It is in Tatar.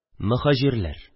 Мөһаҗирләр